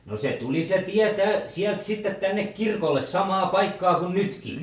no se tuli se tie täältä sieltä sitten tänne kirkolle samaan paikkaan kuin nytkin